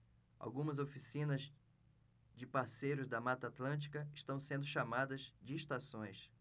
algumas oficinas de parceiros da mata atlântica estão sendo chamadas de estações